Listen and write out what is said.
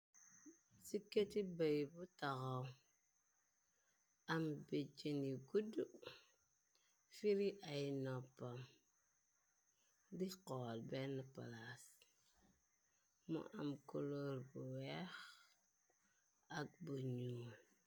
Ci këti bay bu taxaw am béjjëni guddu firi ay noppa di xool benn palaas mo am koloor bu weex ak bu nyuul.